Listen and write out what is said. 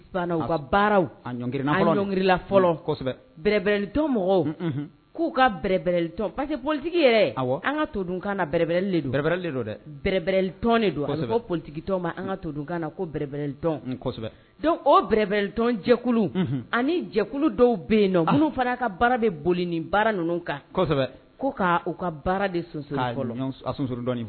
Ka baarala fɔlɔbrɛlitɔn mɔgɔw k'u ka bɛrɛli pa que politigi yɛrɛ an ka todkan na bɛrɛbrɛlɛle donrɛlɛle don dɛrɛrɛlɛ don politigi tɔn ma an ka todkan na ko bɛrɛbrɛlɛ orɛlɛ jɛkulu ani jɛkulu dɔw bɛ yen nɔn n'u fara' ka baara de boli ni baara ninnu kan ko k' u ka baara de